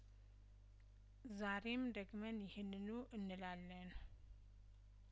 ዛሬም ደግመን ይህንኑ እንላለን